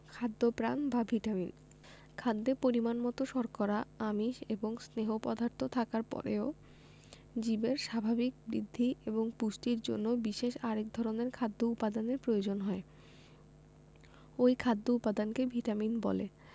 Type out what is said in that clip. খাদ্যপ্রাণ বা ভিটামিন খাদ্যে পরিমাণমতো শর্করা আমিষ এবং স্নেহ পদার্থ থাকার পরেও জীবের স্বাভাবিক বৃদ্ধি এবং পুষ্টির জন্য বিশেষ আরেক ধরনের খাদ্য উপাদানের প্রয়োজন হয় ঐ খাদ্য উপাদানকে ভিটামিন বলে